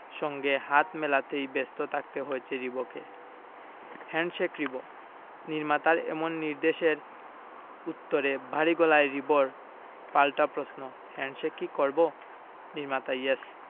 সঙ্গে হাত মেলাতেই ব্যস্ত থাকতে হয়েছে রিবোকে হ্যান্ডশেক রিবো নির্মাতার এমন নির্দেশের উত্তরে ভারী গলায় রিবোর পাল্টা প্রশ্ন হ্যান্ডশেক কি করবো নির্মাতা ইয়েস